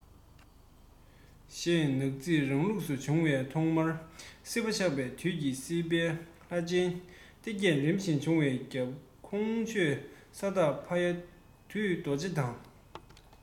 ཞེས ནག རྩིས རང ལུགས སུ བྱུང བའི ཐོག མར སྲིད པ ཆགས པའི དུས སུ སྲིད པའི ལྷ ཆེན སྡེ བརྒྱད རིམ བཞིན བྱུང བའི སྐབས གོང འཁོད ས བདག ཕ ཡ བདུད རྡོ རྗེ དང